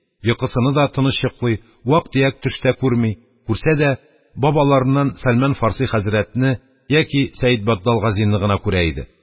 Йокысыны да тыныч йоклый, вак-төяк төш тә күрми, күрсә дә – бабаларыннан Сәлман Фарси хәзрәтне яки Сәедбаттал Газины гына күрә иде.